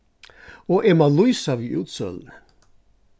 og eg má lýsa við útsøluni